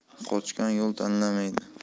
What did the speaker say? qochgan yo'l tanlamaydi